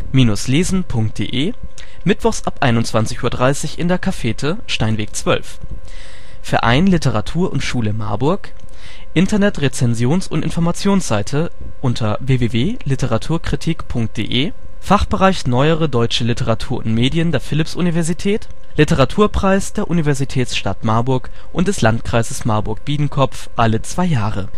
mittwochs ab 21h30 in der " Cavete ", Steinweg 12; " Verein Literatur und Schule Marburg "; Internet-Rezensions - und Informationsseite www.literaturkritik.de; " Fachbereich Neuere deutsche Literatur und Medien " der Philipps-Universität; Literaturpreis der Universitätsstadt Marburg und des Landkreises Marburg-Biedenkopf alle zwei Jahre